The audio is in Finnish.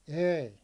ei